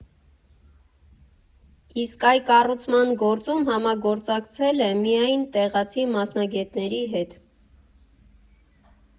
Իսկ այ կառուցման գործում համագործակցել է միայն տեղացի մասնագետների հետ։